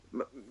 Ma' m-